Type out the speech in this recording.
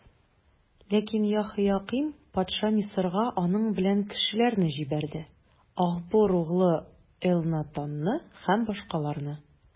Ләкин Яһоякыйм патша Мисырга аның белән кешеләрне җибәрде: Ахбор углы Элнатанны һәм башкаларны.